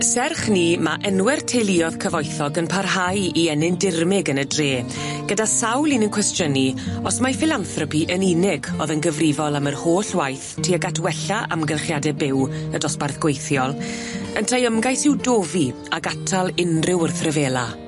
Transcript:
Serch 'ny ma' enwe'r teuluodd cyfoethog yn parhau i ennyn dirmyg yn y dre gyda sawl un yn cwestiynu os mai philanthropi yn unig o'dd yn gyfrifol am yr holl waith tuag at wella amgylchiade byw y dosbarth gweithiol ynteu ymgais i'w dofi ag atal unryw wrthryfela.